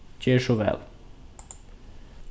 ger so væl